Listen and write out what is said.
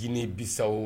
Jinɛinin bisa